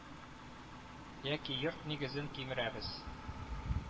Яки йорт нигезен кимерәбез